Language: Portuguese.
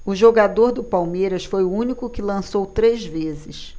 o jogador do palmeiras foi o único que lançou três vezes